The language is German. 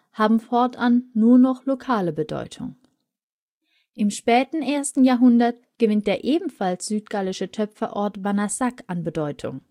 haben fortan nur noch lokale Bedeutung. Im späten ersten Jahrhundert gewinnt der ebenfalls südgallische Töpferort Banassac an Bedeutung